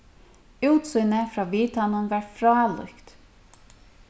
útsýnið frá vitanum var frálíkt